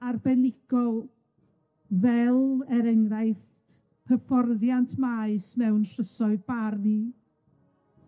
arbenigol, fel, er enghraiff, hyfforddiant maes mewn llysoedd Barn.